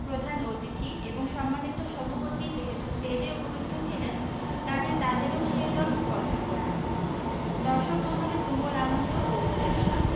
প্রধান অতিথি এবং সম্মানিত সভাপতি যেহেতু ষ্টেজেই উপবিষ্ট ছিলেন কাজেই তাদেরকেও সেই জল স্পর্শ করল দর্শক মহলে তুমুল আনন্দ ও উত্তেজনা